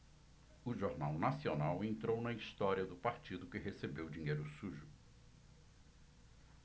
o jornal nacional entrou na história do partido que recebeu dinheiro sujo